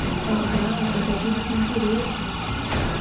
о да это будет интересно